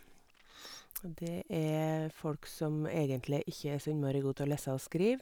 Og det er folk som egentlig ikke er så innmari god til å lese og skrive.